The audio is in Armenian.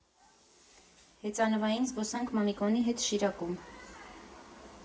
Հեծանվային զբոսանք Մամիկոնի հետ Շիրակում։